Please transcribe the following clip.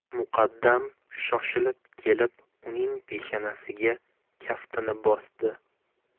muqaddam shoshilib kelib uning peshanasiga kaftini bosdi